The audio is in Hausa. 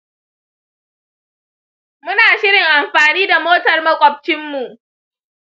muna shirin amfani da motar maƙwabcinmu.